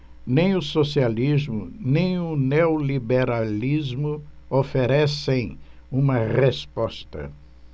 nem o socialismo nem o neoliberalismo oferecem uma resposta